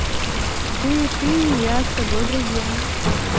ты ты я с тобой друзья